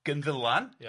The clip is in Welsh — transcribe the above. Gynddylan... Ia.